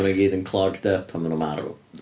Maen nhw i gyd yn clogged up, a maen nhw'n marw.